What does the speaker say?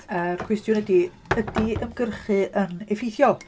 Yy yr cwestiwn ydy, ydy ymgyrchu yn effeithiol?